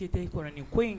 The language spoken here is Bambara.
Te kɔrɔ nin ko in